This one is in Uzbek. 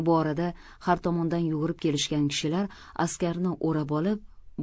bu orada har tomondan yugurib kelishgan kishilar askarni o'rab olib